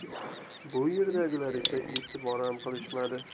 bu yerdagilar esa etibor ham qilishmadi